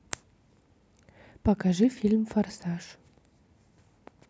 покажи фильм форсаж